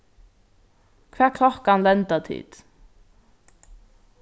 hvat klokkan lenda tit